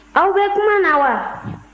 aw bɛ kuma na wa